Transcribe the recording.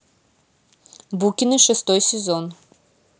букины шестой сезон